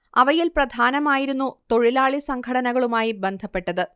അവയിൽ പ്രധാനമായിരുന്നു തൊഴിലാളി സംഘടനകളുമായി ബന്ധപ്പെട്ടത്